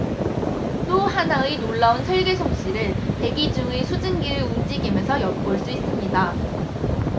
또 하나의 놀라운 설계 솜씨를 대기 중의 수증기의 움직임에서 엿볼 수 있습니다